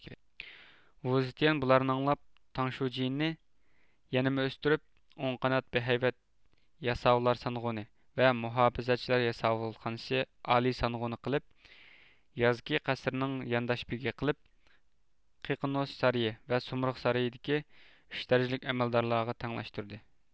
ۋۇزېتيەن بۇلارنى ئاڭلاپ تاڭشيۇجىننى يەنىمۇ ئۆستۈرۈپ ئوڭ قانات بەھەيۋەت ياساۋۇللار سانغۇنى ۋە مۇھاپىزەتچىلەر ياساۋۇلخانىسى ئالىي سانغۇنى قىلىپ يازكى قەسىرنىڭ يانداش بېگى قىلىپ قىقىنوس سارىيى ۋە سۇمرۇغ سارىيىدىكى ئۈچ دەرىجىلىك ئەمەلدارلارغا تەڭلەشتۈردى